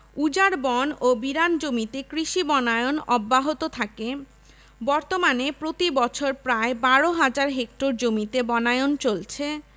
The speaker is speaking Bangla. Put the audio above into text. উজাড় বন ও বিরান জমিতে কৃষি বনায়ন অব্যাহত থাকে বর্তমানে প্রতি বছর প্রায় ১২ হাজার হেক্টর জমিতে বনায়ন চলছে